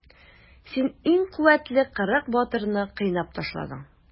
Син иң куәтле кырык батырны кыйнап ташладың.